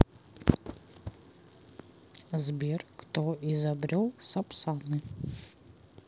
сбер кто изобрел сапсаны